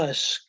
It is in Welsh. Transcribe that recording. plus